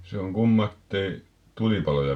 se on kumma että ei tulipaloja